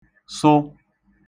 sụ